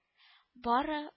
Бары